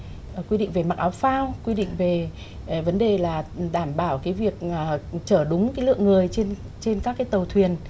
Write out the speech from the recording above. ờ quy định về mặc áo phao quy định về vấn đề là đảm bảo cái việc ngờ chở đúng cái lượng người trên trên các cái tàu thuyền